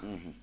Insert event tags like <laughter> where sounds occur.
<hesitation> <hesitation>